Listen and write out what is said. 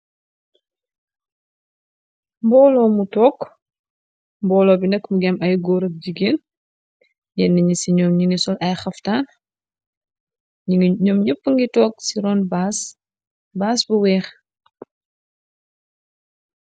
Mbooloo mu took, mboolo bi nekk mungi am ay góor rëk jigéen. yénn ni ci ñoom nungi sol ay haftaan. Ñoom yeppa ngi took ci ron baas, bass bu weeh.